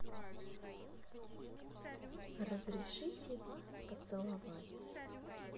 разрешите вас поцеловать